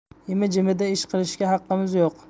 imi jimida ish qilishga haqqimiz yo'q